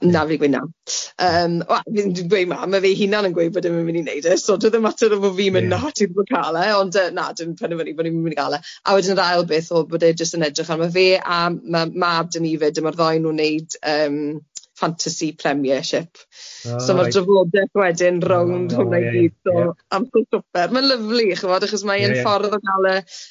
Na fi gweud na, yym wel fi'm 'di gweud na ma' fe'i hunan yn gweud bod e ddim yn mynd i neud e so dyw e ddim mater o bo fi'n gweud 'na ti ddim yn ca'l e' ond yy na ni 'di penderfynu bo ni ddim yn mynd i ga'l e a wedyn yr ail beth o'dd bod e jest yn edrych ar- ma fe a ma' mab 'da ni fyd a ma'r ddou onyn n'w yn neud fantasy premiership so ma' trafodeth wedyn rownd hwnna i gyd amser swper, ma'n lyfli chi'bod achos ma'n ffordd o ga'l y